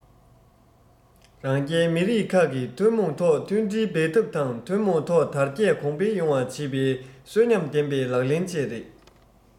རང རྒྱལ མི རིགས ཁག གིས ཐུན མོང ཐོག མཐུན སྒྲིལ འབད འཐབ དང ཐུན མོང ཐོག དར རྒྱས གོང འཕེལ ཡོང བ བྱེད པའི གསོན ཉམས ལྡན པའི ལག ལེན བཅས རེད